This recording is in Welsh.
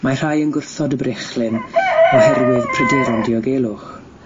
Mae rhai yn gwrthod y brechlyn oherwydd pryderon diogelwch,